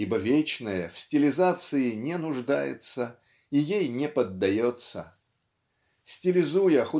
Ибо вечное в стилизации не нуждается и ей не поддается. Стилизуя